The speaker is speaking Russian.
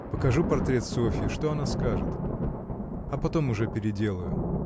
Покажу портрет Софье: что она скажет? А потом уже переделаю.